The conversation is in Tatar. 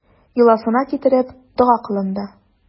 Йоласына китереп, дога кылынды.